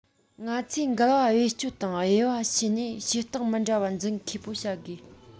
ང ཚོས འགལ བ བེད སྤྱོད དང དབྱེ བ ཕྱེ ནས བྱེད སྟངས མི འདྲ བ འཛིན མཁས པོ བྱ དགོས